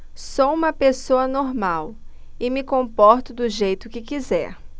sou homossexual e me comporto do jeito que quiser